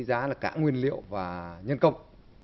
giá cả nguyên liệu và nhân công